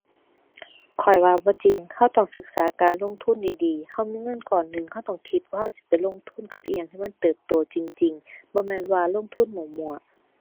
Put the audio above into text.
ข้อยว่าบ่จริง เราต้องศึกษาการลงทุนดีดี เรามีเงินก้อนหนึ่ง เราต้องคิดว่าเราสิไปลงทุนกับอิหยังที่มันเติบโตจริงจริง บ่แม่นว่าลงทุนมั่วมั่ว